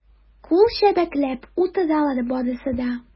Кул чәбәкләп утыралар барысы да.